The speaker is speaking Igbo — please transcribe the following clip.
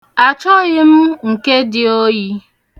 Achọghị m nke dị oyi.